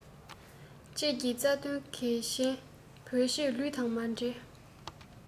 བཅས ཀྱི རྩ དོན གལ ཆེན བོད ཆས ལུས དང མ བྲལ